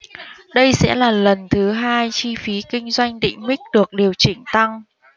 đây sẽ là lần thứ hai chi phí kinh doanh định mức được điều chỉnh tăng